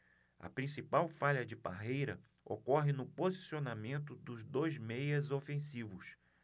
a principal falha de parreira ocorre no posicionamento dos dois meias ofensivos